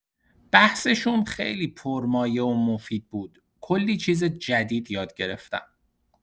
بحثشون خیلی پرمایه و مفید بود، کلی چیز جدید یاد گرفتم.